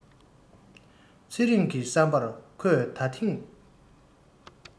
ཚེ རིང གི བསམ པར ཁོས ད ཐེངས